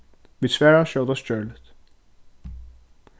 vit svara skjótast gjørligt